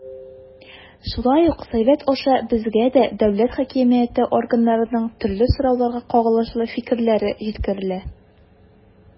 Шулай ук Совет аша безгә дә дәүләт хакимияте органнарының төрле сорауларга кагылышлы фикерләре җиткерелә.